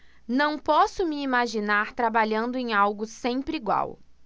não posso me imaginar trabalhando em algo sempre igual